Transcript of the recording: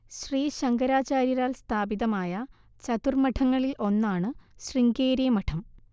ശ്രീ ശങ്കരാചാര്യരാൽ സ്ഥാപിതമായ ചതുർമ്മഠങ്ങളിൽ ഒന്നാണു ശൃംഗേരി മഠം